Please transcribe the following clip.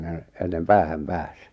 - ennen päähän pääsi